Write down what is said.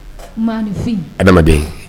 Fin adamaden